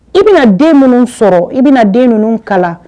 I bɛna den minnu sɔrɔ i bɛna den ninnu kala